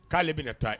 K'ale bɛ ka taa